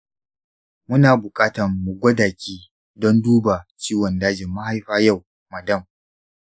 muna buƙatan mu gwada ki don duba ciwon dajin mahaifa yau, madam.